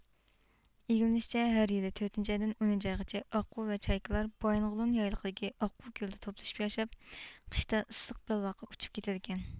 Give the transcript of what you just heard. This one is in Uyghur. ئىگىلىنىشچە ھەر يىلى تۆتىنچى ئايدىن ئونىنچى ئايغىچە ئاققۇ ۋە چايكىلار بايىنغولىن يايلىقىدىكى ئاققۇ كۆلىدە توپلىشىپ ياشاپ قىشتا ئىسسىق بەلبۋاغقا ئۇچۇپ كېتىدىكەن